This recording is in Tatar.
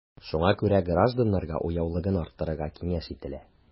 Шуңа күрә гражданнарга уяулыгын арттырыга киңәш ителә.